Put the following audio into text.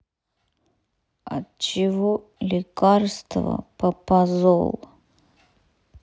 от чего лекарство папазол